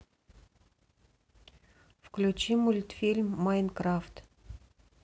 включи мультфильм майнкрафт